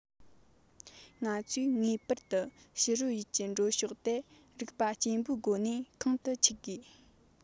ང ཚོས ངེས པར དུ ཕྱི རོལ ཡུལ གྱི འགྲོ ཕྱོགས དེ རིག པ སྐྱེན པོའི སྒོ ནས ཁོང དུ ཆུད དགོས